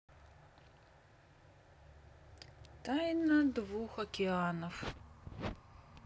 тайна двух океанов